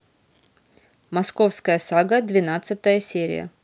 московская сага двенадцатая серия